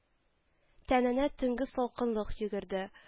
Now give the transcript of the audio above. Тәненә төнге салкынлык йөгерде